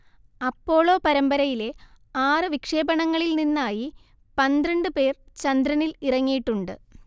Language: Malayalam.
അപ്പോളോ പരമ്പരയിലെ ആറ് വിക്ഷേപണങ്ങളിൽ നിന്നായി പന്ത്രണ്ട് പേർ ചന്ദ്രനിൽ ഇറങ്ങിയിട്ടുണ്ട്